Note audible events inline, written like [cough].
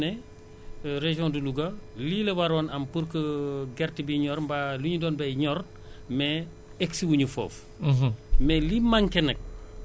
waaw loolu lu am solo la parce que mun nañu ne région de Louga lii la waroon am pour que [hesitation] gerte bi ñor mbaa li ñu doon bay ñor [breath] mais egg si wu ñu foofu